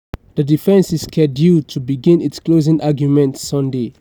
The defense is scheduled to begin its closing arguments Sunday.